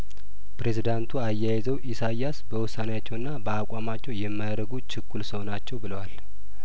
ፕሬዝዳንቱ አያይዘው ኢሳያስ በውሳኔያቸውና በአቋማቸው የማይረጉ ችኩል ሰው ናቸው ብለዋል